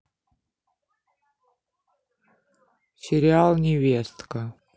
сериал невестка